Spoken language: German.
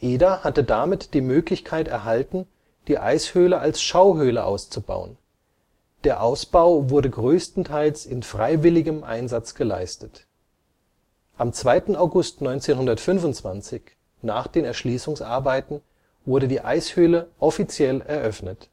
Eder hatte damit die Möglichkeit erhalten, die Eishöhle als Schauhöhle auszubauen. Der Ausbau wurde größtenteils in freiwilligem Einsatz geleistet. Am 2. August 1925, nach den Erschließungsarbeiten, wurde die Eishöhle offiziell eröffnet.